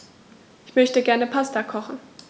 Ich möchte gerne Pasta kochen.